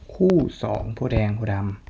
คู่สองโพธิ์แดงโพธิ์ดำ